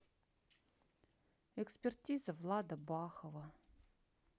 экспертиза влада бахова